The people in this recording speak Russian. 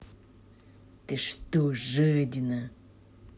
ты что жадина